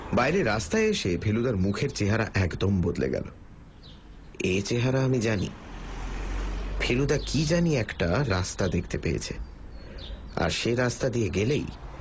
বাইরে রাস্তায় এসে ফেলুদার মুখের চেহারা একদম বদলে গেল এ চেহারা আমি জানি ফেলুদা কী জানি একটা রাস্তা দেখতে পেয়েছে আর সে রাস্তা দিয়ে গেলেই